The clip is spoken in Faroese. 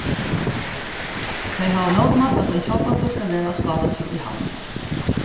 tey hava mótmælt at ein tjóðpallur skal vera á skálatrøð í havn